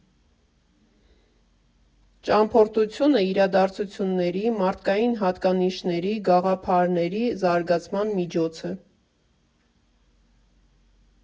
Ճամփորդությունը իրադարձությունների, մարդկային հատկանիշների, գաղափարների զարգացման միջոց է։